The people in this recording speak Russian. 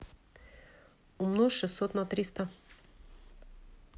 умножь шестьсот на триста